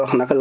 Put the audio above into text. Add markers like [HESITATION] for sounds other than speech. [HESITATION] [HESITATION]